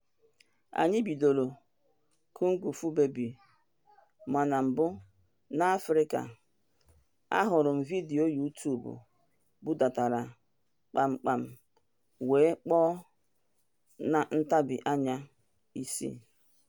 Anyị bidoro Kung Fu Baby ma na mbụ n'Afrịka, ahụrụ m vidiyo YouTube budatara kpamkpam wee kpọọ na ntabianya 6.